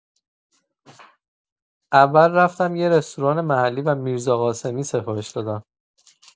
اول رفتم یه رستوران محلی و میرزاقاسمی سفارش دادم.